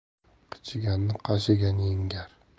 qichiganni qashigan yengar